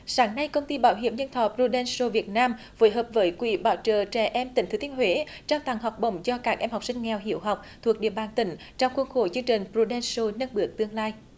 sáng nay công ty bảo hiểm nhân thọ pờ ru đen xồ việt nam phối hợp với quỹ bảo trợ trẻ em tỉnh thừa thiên huế trao tặng học bổng cho các em học sinh nghèo hiếu học thuộc địa bàn tỉnh trong khuôn khổ chương trình pờ ru đen xồ nâng bước tương lai